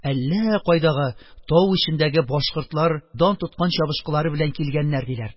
Әллә кайдагы, тау эчендәге башкортлар дан тоткан чабышкылары белән килгәннәр, диләр.